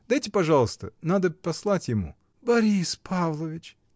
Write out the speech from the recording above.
Дайте, пожалуйста, надо послать ему. — Борис Павлович!